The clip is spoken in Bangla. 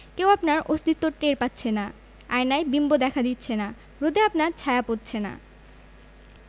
কেউ আপনার অস্তিত্ব টের পাচ্ছে না আয়নায় বিম্ব দেখা দিচ্ছে না রোদে আপনার ছায়া পড়ছে না